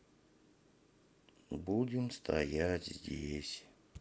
будем стоять здесь